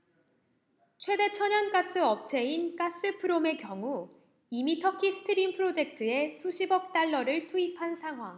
최대 천연가스업체인 가스프롬의 경우 이미 터키 스트림 프로젝트에 수십억 달러를 투입한 상황